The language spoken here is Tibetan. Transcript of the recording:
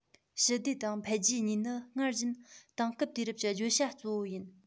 ཞི བདེ དང འཕེལ རྒྱས གཉིས ནི སྔར བཞིན དེང སྐབས དུས རབས ཀྱི བརྗོད བྱ གཙོ བོ ཡིན